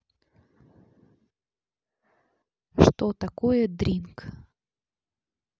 что такое дринк